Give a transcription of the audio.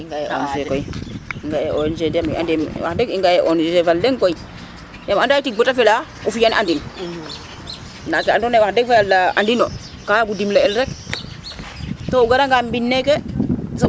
xa koy i nga e Ong fa leng wax deg i ŋa e Ong fa leng koy yam anda ye tig bata fela a fiyan andin nda ke ando naye wax deg fa yala andino ka dimle el rek to o gara nga mbine ke